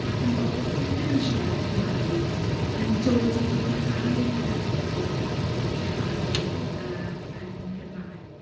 Ac yn bobl sydd ddim yn siarad Cymraeg yn dod i fwynhau gyda'i gilydd canu yy yn Gymraeg.